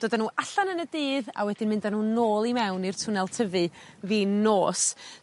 dod a n'w allan yn y dydd a wedyn mynd â n'w nôl i mewn i'r twnnel tyfu fin nos